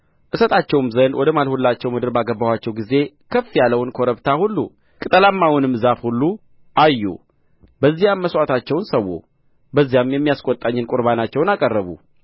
እሰጣቸውም ዘንድ ወደ ማልሁላቸው ምድር ባገባኋቸው ጊዜ ከፍ ያለውን ኮረብታ ሁሉ ቅጠልማውንም ዛፍ ሁሉ አዩ በዚያም መሥዋዕታቸውን ሠዉ በዚያም የሚያስቈጣኝን ቍርባናቸውን አቀረቡ